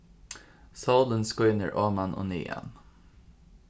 sólin skínur oman og niðan